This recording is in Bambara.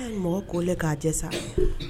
A y' ye mɔgɔ ko k'a jɛ sa